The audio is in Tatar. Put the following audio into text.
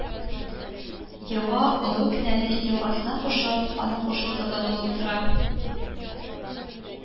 Елга Олы Кенәле елгасына кушылып, аның кушылдыгы булып тора